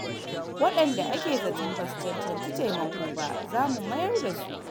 Waɗanda ake zaton ba su cancanci taimako ba za mu mayar da su.